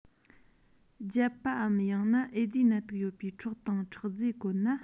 བརྒྱབ པའམ ཡང ན ཨེ ཙི ནད དུག ཡོད པའི ཁྲག དང ཁྲག རྫས བཀོལ ན